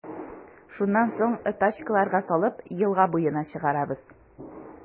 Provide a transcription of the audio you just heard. Шуннан соң, тачкаларга салып, елга буена чыгарабыз.